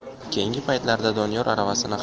keyingi paytlarda doniyor aravasini